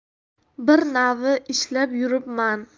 bir navi ishlab yuribman